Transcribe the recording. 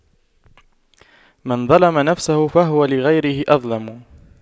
من ظَلَمَ نفسه فهو لغيره أظلم